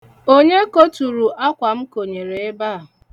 Onye koturu akwa m konyere ebe a?